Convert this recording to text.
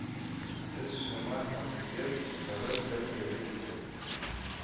Боз шома һәм тигез, кары бер дә юк иде